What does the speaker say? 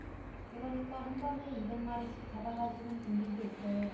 그러니까 한번에 이백 마리씩 잡아가시는 분들도 있어요